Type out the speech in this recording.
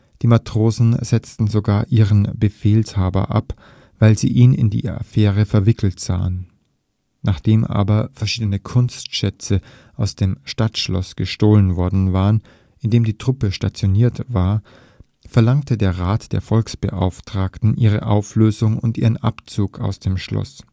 Die Matrosen setzten sogar ihren Befehlshaber ab, weil sie ihn in die Affäre verwickelt sahen. Nachdem aber verschiedene Kunstschätze aus dem Stadtschloss gestohlen worden waren, in dem die Truppe stationiert war, verlangte der Rat der Volksbeauftragten ihre Auflösung und ihren Abzug aus dem Schloss